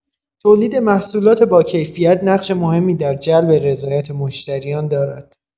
تولید محصولات باکیفیت، نقش مهمی در جلب رضایت مشتریان دارد.